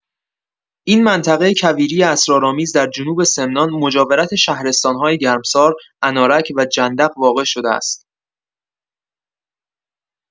این منطقه کویری اسرارآمیز در جنوب سمنان، مجاورت شهرستان‌های گرمسار، انارک و جندق واقع شده است.